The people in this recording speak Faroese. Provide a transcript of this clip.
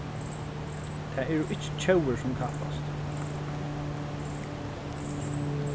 tað eru ikki tjóðir sum kappast